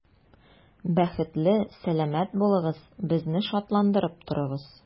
Бәхетле, сәламәт булыгыз, безне шатландырып торыгыз.